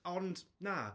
Ond, na